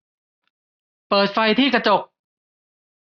เปิดไฟที่กระจก